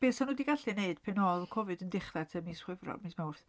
Be 'sa nhw 'di gallu wneud pan oedd Covid yn dechrau tua mis Chwefro- mis Mawrth.